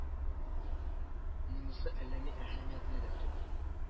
Монысы әллә ни әһәмиятле дә түгел